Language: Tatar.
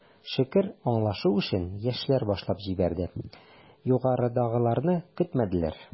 Шөкер, аңлашу эшен, яшьләр башлап җибәрде, югарыдагыларны көтмәделәр.